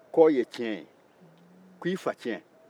kɔ ye cɛn ye k'i facɛn